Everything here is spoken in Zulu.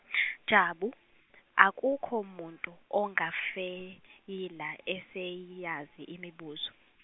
Jabu akukho muntu ongafeyila eseyazi imibuzo.